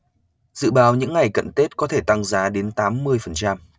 dự báo những ngày cận tết có thể tăng giá đến tám mươi phần trăm